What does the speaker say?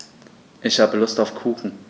Ich habe Lust auf Kuchen.